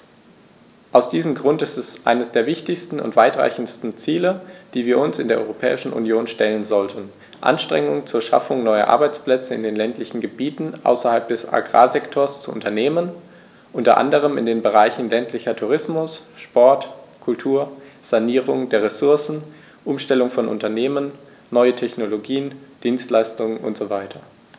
Aus diesem Grund ist es eines der wichtigsten und weitreichendsten Ziele, die wir uns in der Europäischen Union stellen sollten, Anstrengungen zur Schaffung neuer Arbeitsplätze in den ländlichen Gebieten außerhalb des Agrarsektors zu unternehmen, unter anderem in den Bereichen ländlicher Tourismus, Sport, Kultur, Sanierung der Ressourcen, Umstellung von Unternehmen, neue Technologien, Dienstleistungen usw.